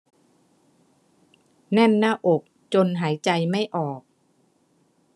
แน่นหน้าอกจนหายใจไม่ออก